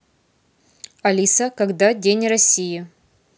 алиса когда день россии